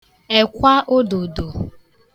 ekwa òdòdò